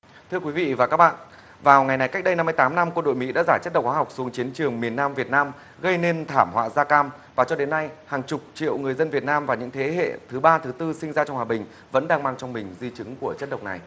thưa quý vị và các bạn vào ngày này cách đây năm mươi tám năm quân đội mỹ đã rải chất độc hóa học xuống chiến trường miền nam việt nam gây nên thảm họa da cam và cho đến nay hàng chục triệu người dân việt nam và những thế hệ thứ ba thứ tư sinh ra trong hòa bình vẫn đang mang trong mình di chứng của chất độc này